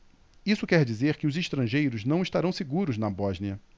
isso quer dizer que os estrangeiros não estarão seguros na bósnia